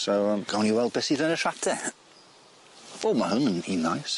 So yym gawn ni weld beth sydd yn y trap te. O ma' hwn yn un neis.